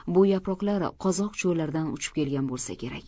bu yaproqlar qozoq cho'llaridan uchib kelgan bo'lsa kerak